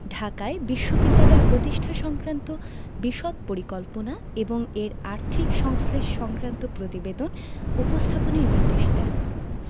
ঢাকায় বিশ্ববিদ্যালয় প্রতিষ্ঠা সংক্রান্ত বিশদ পরিকল্পনা এবং এর আর্থিক সংশ্লেষ সংক্রান্ত প্রতিবেদন উপস্থাপনের নির্দেশ দেন